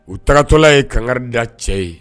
U tagatɔla ye kanga da cɛ ye